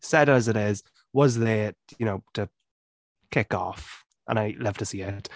Said it as it is, was there, you know, to kick off and I loved to see it.